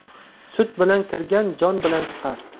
sut bilan kirgan jon bilan chiqar